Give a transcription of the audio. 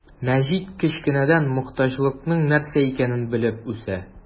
Мәҗит кечкенәдән мохтаҗлыкның нәрсә икәнен белеп үсә.